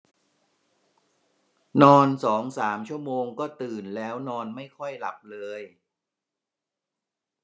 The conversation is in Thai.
นอนสองสามชั่วโมงก็ตื่นแล้วนอนไม่ค่อยหลับเลย